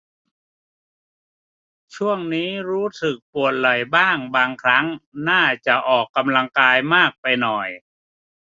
ช่วงนี้รู้สึกปวดไหล่บ้างบางครั้งน่าจะออกกำลังกายมากไปหน่อย